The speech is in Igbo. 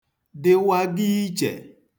dịwaga ichè